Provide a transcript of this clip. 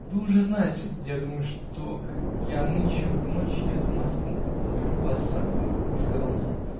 -- Вы уже знаете, я думаю, что я нынче в ночь еду в Москву и беру вас с собою, -- сказал он.